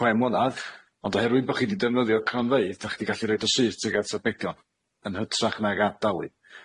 chwe mlynadd ond oherwydd bo' chi 'di defnyddio cronfeydd dach chi 'di gallu roid y syth tuag at arbedion yn hytrach nag adalu.